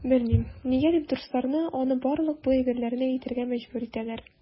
Белмим, нигә дип руслар аны барлык бу әйберләрне әйтергә мәҗбүр итәләр.